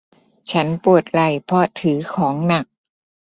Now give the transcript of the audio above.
ฉันปวดไหล่เพราะถือของหนัก